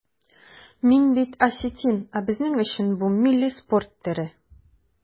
Мин бит осетин, ә безнең өчен бу милли спорт төре.